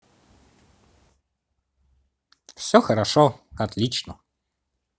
все хорошо отлично